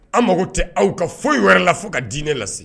An mago tɛ aw ka foyi yɛrɛ la fo ka dinɛ lase